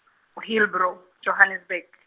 Hillbrow, Johannesburg.